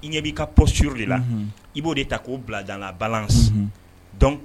I ɲɛ b'i ka p suur de la i b'o de ta k'o bila jan bala